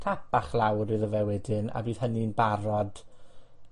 Tap bach lawr iddo fe wedyn, a fydd hynny'n barod